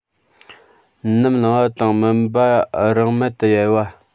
ནམ ལངས པ དང མུན པ རང མལ དུ ཡལ བ